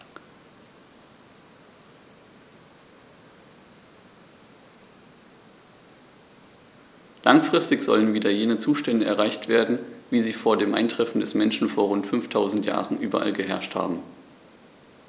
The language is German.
Langfristig sollen wieder jene Zustände erreicht werden, wie sie vor dem Eintreffen des Menschen vor rund 5000 Jahren überall geherrscht haben.